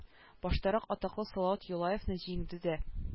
Баштарак атаклы салават юлаевны җиңде дә